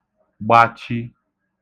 gbachi